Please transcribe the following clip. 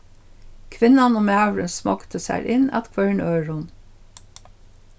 kvinnan og maðurin smoygdu sær inn at hvørjum øðrum